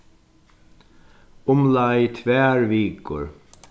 umleið tvær vikur